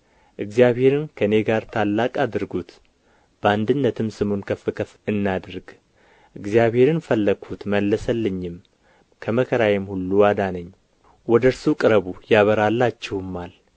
እግዚአብሔርን ከእኔ ጋር ታላቅ አድርጉት በአንድነትም ስሙን ከፍ ከፍ እናድርግ እግዚአብሔርን ፈለግሁት መለሰልኝም ከመከራዬም ሁሉ አዳነኝ ወደ እርሱ ቅረቡ ያበራላችሁማል